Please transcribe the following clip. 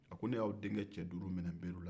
a ko ne y'aw denkɛ cɛ duuru minɛ nbari la